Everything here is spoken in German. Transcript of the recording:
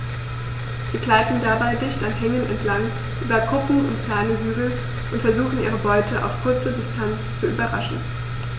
Sie gleiten dabei dicht an Hängen entlang, über Kuppen und kleine Hügel und versuchen ihre Beute auf kurze Distanz zu überraschen.